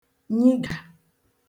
nyigà